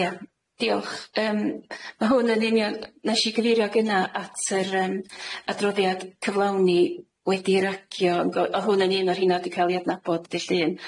Ia, diolch. Yym, ma' hwn yn union... Nesh i gyfeirio gynna at yr yym adroddiad cyflawni wedi'i ragio yn gof-... O hwn yn un o rheina wedi ca'l 'u adnabod dydd Llun